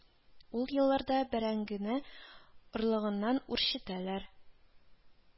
Ул елларда бәрәңгене орлыгыннан үрчетәләр